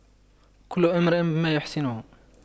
كل امرئ بما يحسنه